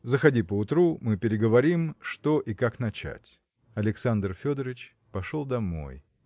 Заходи поутру, мы переговорим, что и как начать. Александр Федорыч пошел домой.